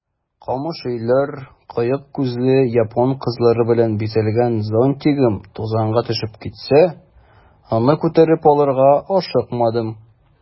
Камыш өйләр, кыек күзле япон кызлары белән бизәлгән зонтигым тузанга төшеп китсә, аны күтәреп алырга ашыкмадым.